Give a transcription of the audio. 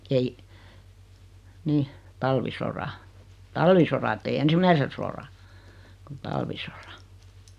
ei niin talvisodan talvisodan että ei ensimmäisen sodan kun talvisodan